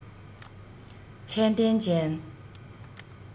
ཚད ལྡན ཅན